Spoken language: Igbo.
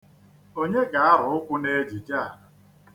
Onye ga-arụ ụkwụ n'ejije a?